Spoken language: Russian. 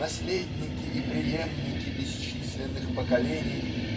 наследники и преемники бесчисленных поколений